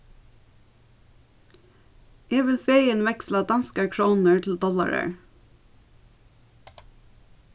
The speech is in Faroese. eg vil fegin veksla danskar krónur til dollarar